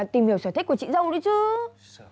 tìm hiểu sở thích của chị dâu nữa chứ